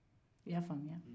i y'a faamuya